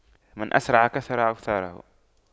من أسرع كثر عثاره